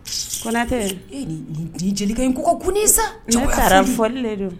Kɔnatɛ e ni ni ni jelikɛ in ko ka gon ne ye sa jagoya foli ne taara foli le don